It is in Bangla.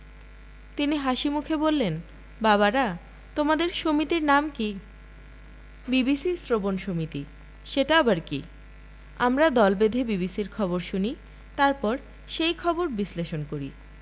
তিনি হাসিমুখে বললেন বাবারা তােমাদের সমিতির নাম কি বিবিসি শ্রবণ সমিতি সেটা আবার কি আমরা দল বেঁধে বিবিসির খবর শুনি তারপর সেই খবর বিশ্লেষণ করি